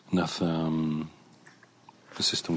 Nath yym y system...